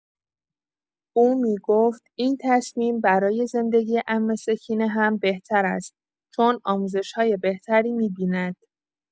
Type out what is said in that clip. او می‌گفت این تصمیم برای زندگی عمه سکینه هم بهتر است؛ چون آموزش‌های بهتری می‌بیند.